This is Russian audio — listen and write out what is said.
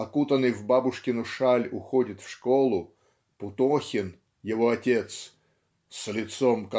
окутанный в бабушкину шаль уходит в школу Путохин его отец "с лицом